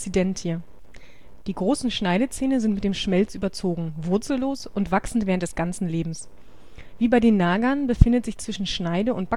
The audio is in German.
Duplizidentie). Die großen Schneidezähne sind mit Schmelz überzogen, wurzellos und wachsen während des ganzen Lebens. Wie bei den Nagern befindet sich zwischen Schneide - und